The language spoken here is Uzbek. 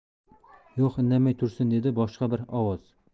yo'q indamay tursin dedi boshqa bir ovoz